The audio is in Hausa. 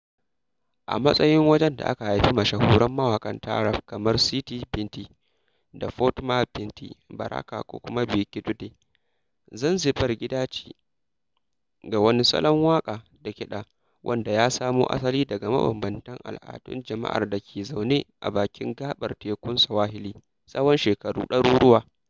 A matsayin wajen da aka haifi mashahuran mawaƙan taarab kamar Siti Binti da Fatuma Binti Baraka ko kuma Bi Kidude, Zanzibar gida ce ga wani salon waƙa da kiɗa wanda ya samo asali daga mabambamtan al'adun jama'ar da ke zaune a bakin gaɓar tekun Swahili tsawon shakaru ɗaruruwa.